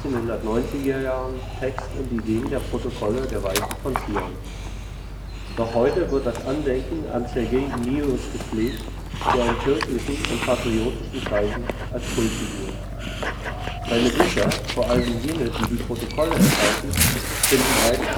1990er Jahren Text und Ideen der Protokolle der Weisen von Zion. Noch heute wird das Andenken an Sergej Nilus gepflegt, er gilt in kirchlichen und patriotischen Kreisen als Kultfigur. Seine Bücher, vor allem jene, die die Protokolle enthalten, finden breite